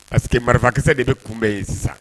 Parce que marifakisɛsɛ de bɛ kunbɛn yen sisan